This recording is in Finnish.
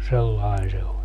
sellainen se oli